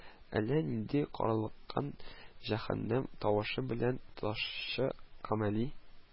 Әллә нинди карлыккан җәһәннәм тавыш белән ташчы Камали: